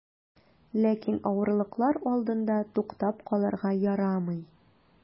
Ләкин авырлыклар алдында туктап калырга ярамый.